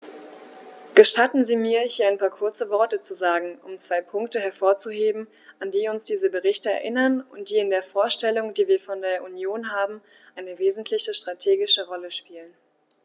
Gestatten Sie mir, hier ein paar kurze Worte zu sagen, um zwei Punkte hervorzuheben, an die uns diese Berichte erinnern und die in der Vorstellung, die wir von der Union haben, eine wesentliche strategische Rolle spielen.